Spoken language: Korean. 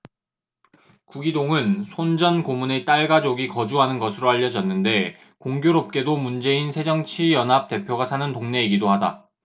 구기동은 손 전 고문의 딸 가족이 거주하는 것으로 알려졌는데 공교롭게도 문재인 새정치연합 대표가 사는 동네이기도 하다